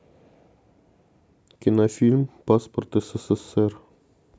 кинофильм паспорт ссср